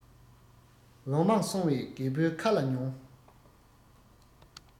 ལོ མང སོང བའི རྒད པོའི ཁ ལ ཉོན